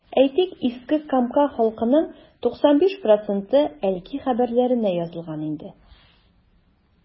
Әйтик, Иске Камка халкының 95 проценты “Әлки хәбәрләре”нә язылган инде.